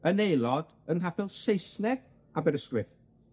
yn aelod yng nghapel Saesneg Aberystwyth.